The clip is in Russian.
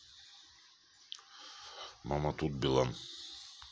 мама тут билан